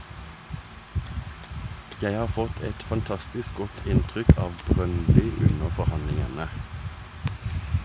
Jeg har fått et fantastisk godt inntrykk av Brøndby under forhandlingene .